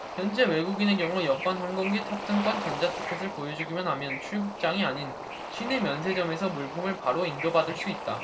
현재 외국인의 경우 여권 항공기 탑승권 전자티켓을 보여주기만 하면 출국장이 아닌 시내면세점에서 물품을 바로 인도받을 수 있다